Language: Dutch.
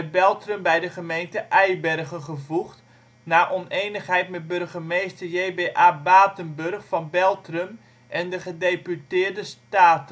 Beltrum bij de gemeente Eibergen gevoegd, na onenigheid met burgemeester J.B.A. Batenburg van Bel­trum en de Gedeputeerde Staten